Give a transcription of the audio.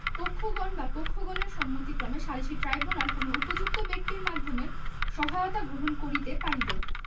পক্ষগণ বা পক্ষগণের সম্মতিক্রমে সালিসী ট্রাইব্যুনাল কোন উপযুক্ত ব্যক্তির মাধ্যমে সহায়তা গ্রহণ করিতে পারিবে